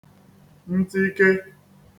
ntike